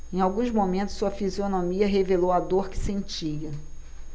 em alguns momentos sua fisionomia revelou a dor que sentia